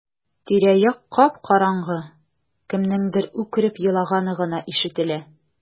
Тирә-як кап-караңгы, кемнеңдер үкереп елаганы гына ишетелә.